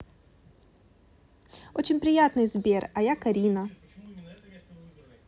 очень приятный сбер а я карина